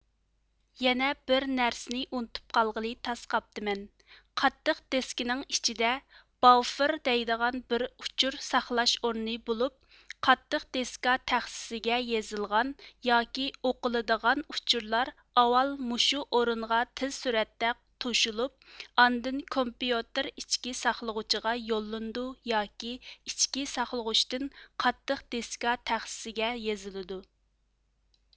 يەنە بىر نەرسىنى ئۇنتۇپ قالغىلى تاس قاپتىمەن قاتتىق دېسكىنىڭ ئىچىدە باففېر دەيدىغان بىر ئۇچۇر ساقلاش ئورنى بولۇپ قاتتىق دېسكا تەخسىىسىگە يېزىلىدىغان ياكى ئوقۇلىدىغان ئۇچۇرلار ئاۋال مۇشۇ ئورۇنغا تېز سۈرئەتتە توشۇلۇپ ئاندىن كومپىيۇتېر ئىچكى ساقلىغۇچىغا يوللىنىدۇ ياكى ئىچىكى ساقلىغۇچىتىن قاتتىق دېسكا تەخسىسىگە يېزىلىدۇ